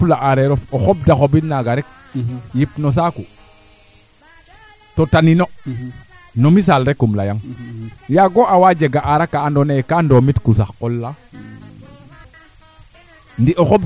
te bugo yipa ñaaw te ñaaw ke lawke kama areer kemi a ɓoora den to alors in wene sax na jikwa a ñaaw ndaa ga'a o Njola jikuke ñaaw bo mbil le ximbanel